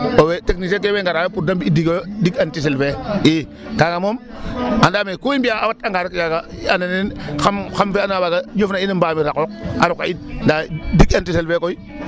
Owey technicien ke owey ngaraayo pour da mbi' digoyo anti sel fe i kaaga moom andaam ee ku i mbi'aa a watanga rek yaaga a nand nen xam fi'a a waaga jofna in a mbamir a qooq a roka in ndaa dig anti sel fe koy ten manquer u .